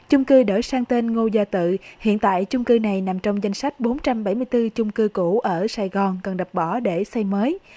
chung cư đổi sang tên ngô gia tự hiện tại chung cư này nằm trong danh sách bốn trăm bảy mươi tư chung cư cũ ở sài gòn cần đập bỏ để xây mới